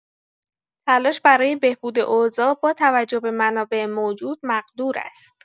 تلاش برای بهبود اوضاع با توجه به منابع موجود مقدور است.